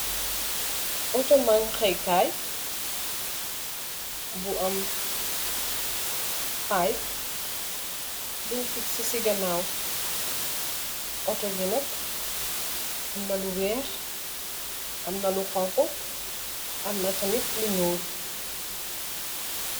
Auto manke kai bu am pipe bung fix si kanaw auto gi nak amna yu weex am a yu xonxu amna tamit lu nuul.